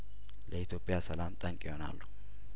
ለኢትዮጵያ ሰላም ጠንቅ ይሆናሉ